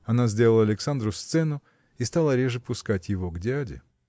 Она сделала Александру сцену и стала реже пускать его к дяде.